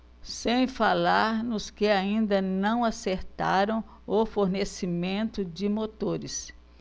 sem falar nos que ainda não acertaram o fornecimento de motores